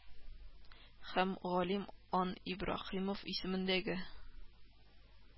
Һәм галим ан ибраһимов исемендәге